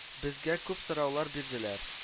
Безгә күп сораулар бирделәр